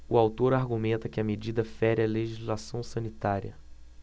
o autor argumenta que a medida fere a legislação sanitária